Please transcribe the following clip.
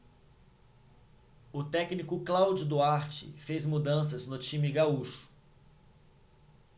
o técnico cláudio duarte fez mudanças no time gaúcho